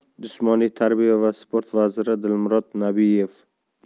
jismoniy tarbiya va sport vaziri dilmurod nabiyev